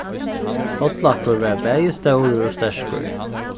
tollakur var bæði stórur og sterkur